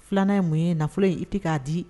Filanan ye mun ye na nafololen in i tɛ k'a di